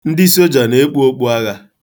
Ndị soja na-ekpu okpuagha.